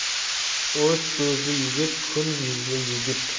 o'z so'zli yigit kun yuzli yigit